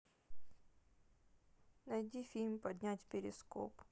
найди фильм поднять перископ